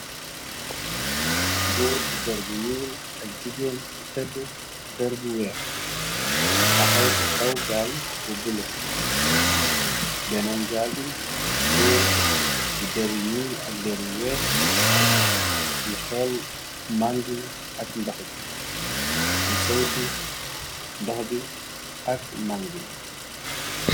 góor bu der bi ñuul ak jigéen bu tedd der bu weer taxaw ci kaw gaal bu bula benen gaal bi góor bu dari ñuul ak dari weer di xool mbang i ak ndox bi di saytu ndox bi ak mang yi